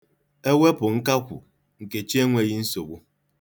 E wepụ nkakwu, Nkechi enweghi nsogbu.